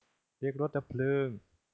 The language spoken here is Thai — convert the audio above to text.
เรียกรถดับเพลิง